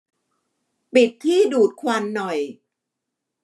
ปิดที่ดูดควันหน่อย